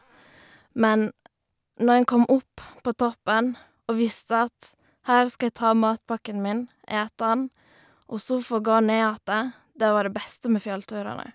Men når en kom opp på toppen og visste at her skal jeg ta matpakken min, ete han, og så få gå ned att, det var det beste med fjellturene.